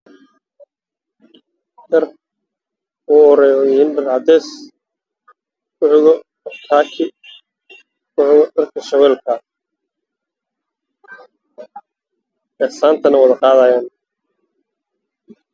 Meeshaan waxay u muuqda boolis fara badan oo wada dhar cadaan iyo madow ah